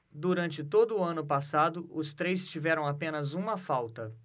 durante todo o ano passado os três tiveram apenas uma falta